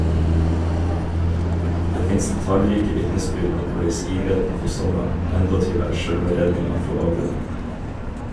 Det finst talrike vitnesbyrd om korleis idretten for somme endåtil er sjølve redninga frå avgrunnen.